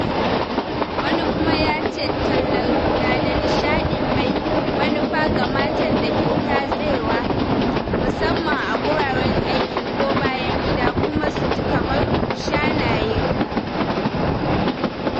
wani kuma yace: “tallar na da nishadi mai manufa ga matan da ke tatsewa (musamman a guraren aiki ko bayan gida) kuma su ji kamar “shanaye.”